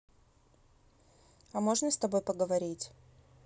а можно с тобой поговорить